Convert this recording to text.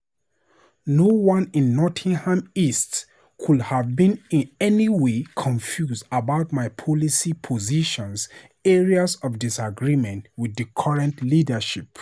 No one in Nottingham East could have been in any way confused about my policy positions and areas of disagreement with the current leadership.